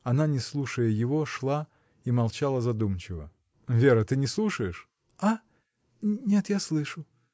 Она, не слушая его, шла и молчала задумчиво. — Вера, ты не слушаешь? нет, я слышу.